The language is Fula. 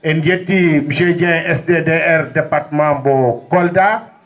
en jetti monsieur Dieng SDDR département mbo Kolda